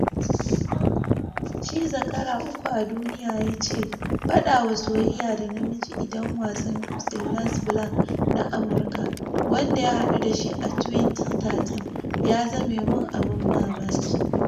Shi zakara uku a duniya ya ce fadawa soyaya da namij i-dan wasan Dustin Lance Black na Amurka, wanda ya hadu da shi a 2013 - "ya zame man abun mamaki."